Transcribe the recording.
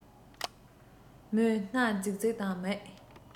མོས སྣ རྫིག རྫིག དང མིག